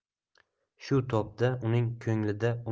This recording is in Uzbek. shu topda uning ko'nglida